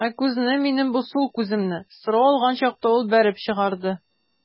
Ә күзне, минем бу сул күземне, сорау алган чакта ул бәреп чыгарды.